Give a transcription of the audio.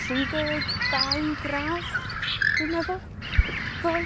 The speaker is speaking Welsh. tri deg dau gradd, dwi'n meddwl, ddoe.